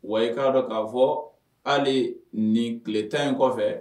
Wa i k'a dɔn k'a fɔ hali nin tile tan in kɔfɛ